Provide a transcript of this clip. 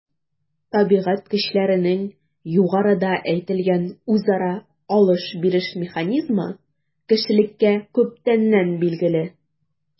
Табигать көчләренең югарыда әйтелгән үзара “алыш-биреш” механизмы кешелеккә күптәннән билгеле.